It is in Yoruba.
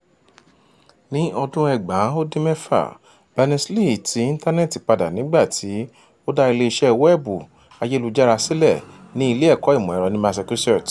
Ní 1994, Berners-Lee tí Ítánẹ̀ẹ̀tì padà nígbàtí ó dá ilé iṣẹ́ wẹ́ẹ̀bù ayélujára sílẹ̀ ní ilé ẹ̀kọ́ ìmọ̀ ẹ̀rọ ní Massachusetts.